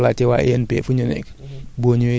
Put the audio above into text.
boo rapproché woo INP